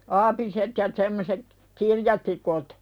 aapiset ja semmoiset kirjatikut